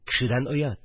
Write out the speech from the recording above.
Кешедән оят